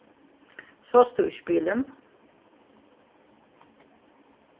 sást tú ikki bilin